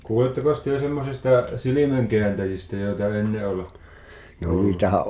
kuulittekos te semmoisista silmänkääntäjistä joita ennen oli ollut